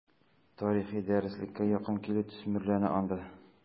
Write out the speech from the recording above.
Тарихи дөреслеккә якын килү төсмерләнә анда.